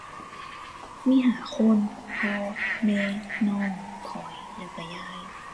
มีห้าคน พ่อ แม่ น้อง ข้อย แล้วก็ยาย